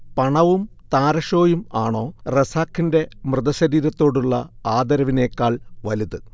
പണവും താരഷോയും ആണോ റസാഖിന്റെ മൃതശരീരത്തോടുള്ള ആദരവിനെക്കാൾ വലുത്